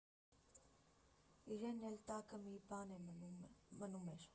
Իրեն էլ տակը մի բան մնում էր։